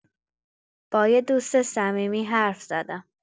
با یه دوست صمیمی حرف زدم.